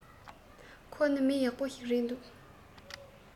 ཁོ ནི མི ཡག པོ ཞིག རེད འདུག